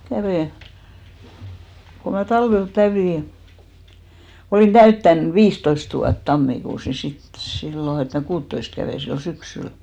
kävin kun minä talvella täytin olin täyttänyt viisitoista vuotta tammikuussa niin sitten silloin että minä kuuttatoista kävin silloin syksyllä